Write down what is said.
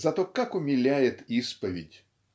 Зато как умиляет исповедь!